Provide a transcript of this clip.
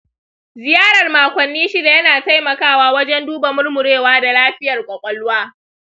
ziyarar makonni shida yana taimakawa wajen duba murmurewa da lafiyar ƙwaƙwalwa.